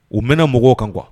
U mɛn mɔgɔw kan kuwa